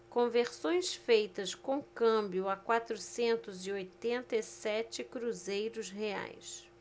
conversões feitas com câmbio a quatrocentos e oitenta e sete cruzeiros reais